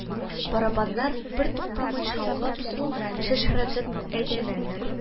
Барабаннар бертуктамый шаулап су чәчрәтеп әйләнәләр